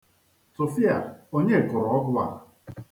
Tụfịa! Onye kụrụ ọgwụ a?